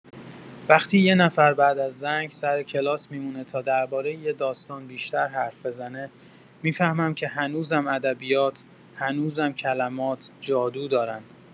وقتی یه نفر بعد از زنگ، سر کلاس می‌مونه تا دربارۀ یه داستان بیشتر حرف بزنه، می‌فهمم که هنوزم ادبیات، هنوزم کلمات، جادو دارن.